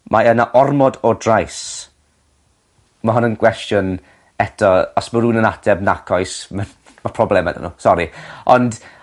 Mae yna ormod o drais. Ma' hwn yn gwestiwn eto os ma' rywun yn ateb nac oes ma' ff- ma' probleme 'da n'w, sori ond